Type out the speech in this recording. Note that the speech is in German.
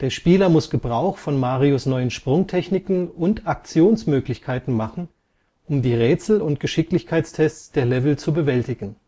Spieler muss Gebrauch von Marios neuen Sprungtechniken und Aktionsmöglichkeiten machen, um die Rätsel und Geschicklichkeitstests der Levels zu bewältigen